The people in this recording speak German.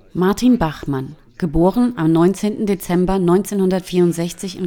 Martin Bachmann (* 19. Dezember 1964